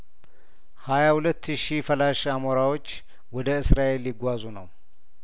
ሀያ ሁለት ሺ ፈላሽ አሞራዎች ወደ እስራኤል ሊጓዙ ነው